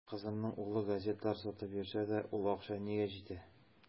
Кызымның улы газеталар сатып йөрсә дә, ул акча нигә җитә.